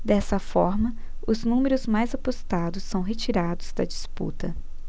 dessa forma os números mais apostados são retirados da disputa